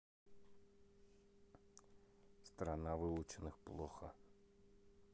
страна выученных плохо